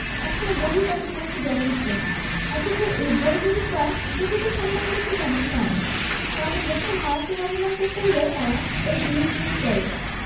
একখানা বই ই তাদের পক্ষে যথেষ্ট অথচ এই বই জিনিসটার প্রকৃত সম্মান করতে জানে ফ্রান্স কাউকে মোক্ষম মারাত্মক অপমান করতে হলেও তারা ওই জিনিস দিয়েই করে